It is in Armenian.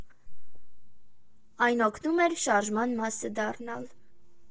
Այն օգնում էր շարժման մասը դառնալ։